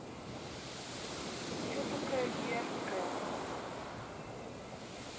че такая дерзкая